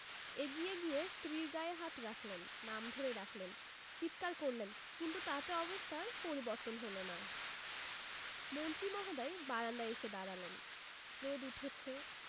এগিয়ে গিয়ে স্ত্রীর গায়ে হাত রাখলেন নাম ধরে ডাকলেন চিৎকার করলেন কিন্তু তাতে অবস্থার পরিবর্তন হলো না মন্ত্রী মহোদয় বারান্দায় এসে দাঁড়ালেন রোদ উঠেছে